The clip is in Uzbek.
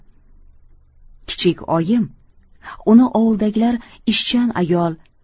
kichik oyim uni ovuldagilar ishchan ayol